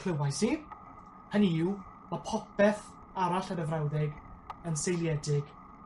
clywais i hynny yw ma' popeth arall yr y frawddeg yn seiliedig